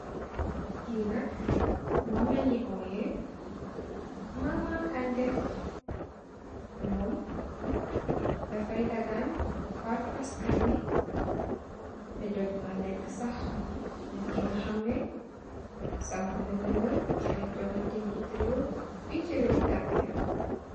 Ki nak momm lenyui oyeh Mama Kandeh momm dafai dagan bati askanbi teh jot na neka sah nit ko xamneh sampa na ndendam si ay joganteh ngeti rew fi si rewe Gambia.